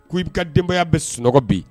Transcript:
K ko i bɛ ka denbaya bɛ sunɔgɔ bi